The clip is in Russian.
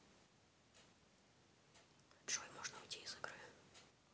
джой можно уйти из игры